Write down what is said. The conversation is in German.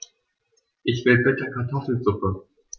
Ich will bitte Kartoffelsuppe.